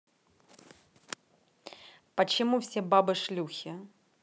почему все бабы шлюхи